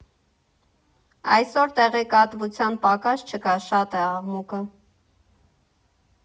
Այսօր տեղեկատվության պակաս չկա, շատ է աղմուկը։